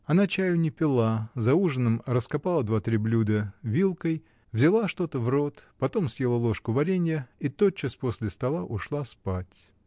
Она чаю не пила, за ужином раскопала два-три блюда вилкой, взяла что-то в рот, потом съела ложку варенья и тотчас после стола ушла спать.